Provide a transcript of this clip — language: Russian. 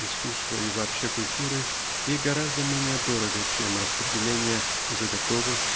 искусства и вообще культуры ей гораздо менее дорого чем распределение уже готовых